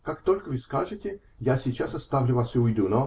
как только вы скажете, я сейчас оставлю вас и уйду.